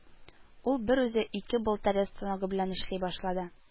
Ул берүзе ике болторез станогы белән эшли башлады